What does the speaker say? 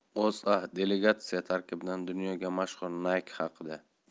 o'za delegatsiya tarkibidan dunyoga mashhur nike haqida